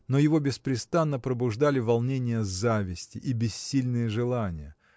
но его беспрестанно пробуждали волнения зависти и бессильные желания.